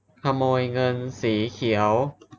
ขโมยเงินสีเขียว